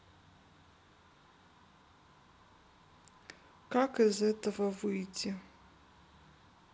как из этого выйти